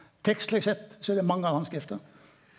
tekstleg sett så er det mange handskrift.